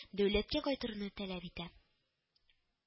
Дәүләткә кайтаруны таләп итә